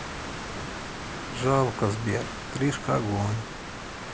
жалко сбер тришка огонь